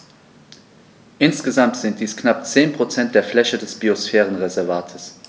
Insgesamt sind dies knapp 10 % der Fläche des Biosphärenreservates.